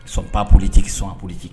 Sonppoli tɛ sɔnolige